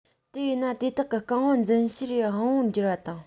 དེ བས ན དེ དག གི རྐང བ འཛིན བྱེད དབང པོར འགྱུར བ དང